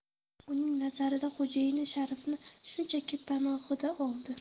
uning nazarida xo'jayini sharifni shunchaki panohiga oldi